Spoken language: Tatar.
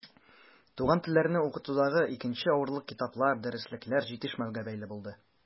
Туган телләрне укытудагы икенче авырлык китаплар, дәреслекләр җитешмәүгә бәйле булды.